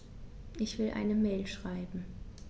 Ich will eine Mail schreiben.